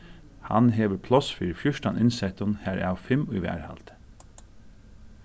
hann hevur pláss fyri fjúrtan innsettum harav fimm í varðhaldi